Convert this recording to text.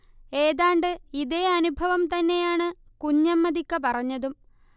ഏതാണ്ട് ഇതേ അനുഭവം തന്നെയാണ് കുഞ്ഞമ്മദിക്ക പറഞ്ഞതും